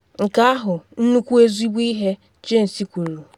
“Nke ahụ nnukwu ezigbo ihe,” Jaynes kwuru.